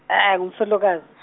e- e- ngumfelokaz-.